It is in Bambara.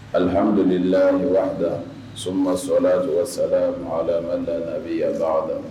Alihamdulila wada soma sɔlasa ma alada a bɛ yanda